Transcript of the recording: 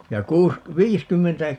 ja - viisikymmentä